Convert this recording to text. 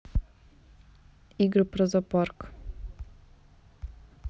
игры про зоопарк